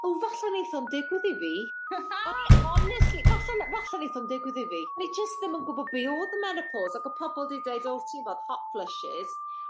o falle neith o'm digwydd i fi. honestly falle ne- falle neith o'm digwydd i fi. Ni jyst ddim yn gwbod be' o'dd y menopos ac o' pobol 'di deud o ti'n 'bo' hot flushes.